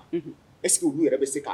Eseke'u yɛrɛ bɛ se k